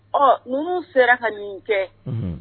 Ɔ ninnu sera ka nin kɛ